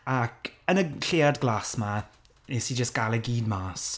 Ac, yn y lleuad glas 'ma, wnes i jyst gael e gyd mas.